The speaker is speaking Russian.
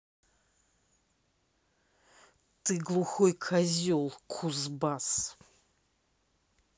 ты глухой козел кузбасс